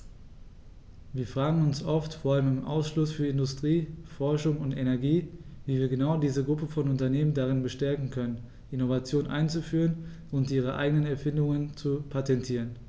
Wir fragen uns oft, vor allem im Ausschuss für Industrie, Forschung und Energie, wie wir genau diese Gruppe von Unternehmen darin bestärken können, Innovationen einzuführen und ihre eigenen Erfindungen zu patentieren.